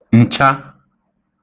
ǹcha